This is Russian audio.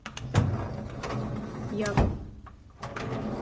яков